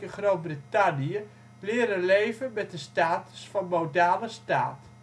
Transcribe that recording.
Groot-Brittannië leren leven met de status van modale staat. De staat